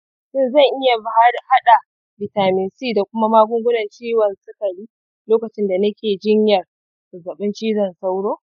shin zan iya hada bitamin c da kuma magugunan ciwon sikari lokacin da nake jinyar zazzabin cizon sauro?